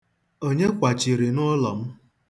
Onye kwachiri n'ụlọ m?